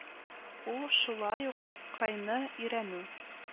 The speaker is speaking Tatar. Ул шулай ук крайны өйрәнү